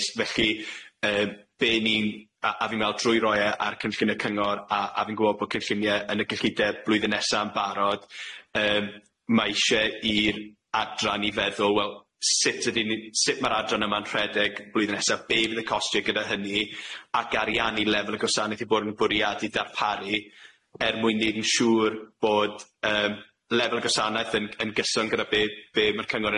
Felly yy be' ni'n a a fi'n me'l trwy roi e ar cynllun y cyngor a a fi'n gweld bo' cynllunie yn y cyllideb blwyddyn nesa'n barod yym ma' isie i'r adran i feddwl, wel sut ydyn ni sut ma'r adran yma'n rhedeg blwyddyn nesa, be' fydd y costiau gyda hynny ac ariannu lefel y gwasanaeth i bod yn bwriadu darparu er mwyn neud yn siŵr bod yym lefel y gysanaeth yn yn gyson gyda be' be' ma'r cyngor